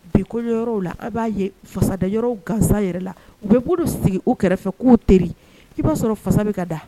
Bi ko la a b'a ye fasada yɔrɔ gansa yɛrɛ la u bɛ'olu sigi u kɛrɛfɛ k'u teri i b'a sɔrɔ fasa bɛ ka da